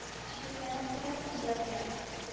– чикерткәнең тәмам күзләре яна